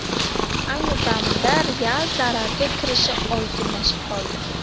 ayni damda real zararga kirishi oydinlashib qoldi